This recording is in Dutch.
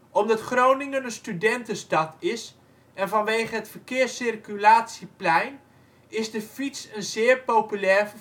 Omdat Groningen een studentenstad is en vanwege het verkeerscirculatieplan is de fiets een zeer populair